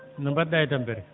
no mbaɗɗaa e tampere